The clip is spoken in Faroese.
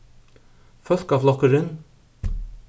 fólkaflokkurin